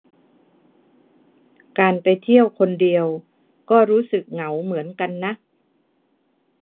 การไปเที่ยวคนเดียวก็รู้สึกเหงาเหมือนกันนะ